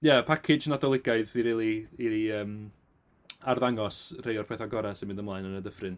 Ia package Nadoligaidd i rili i yym arddangos rhai o'r petha gorau sy'n mynd ymlaen yn y dyffryn.